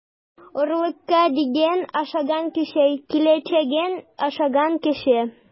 Орлыкка дигәнне ашаган кеше - киләчәген ашаган кеше.